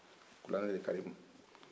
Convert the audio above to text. kuranɛ ali kalimu